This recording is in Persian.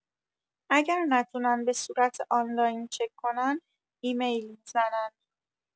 اگر نتونن به صورت آنلاین چک کنن ایمیل می‌زنن